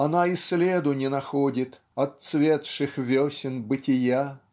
Она и следу не находит Отцветших весен бытия.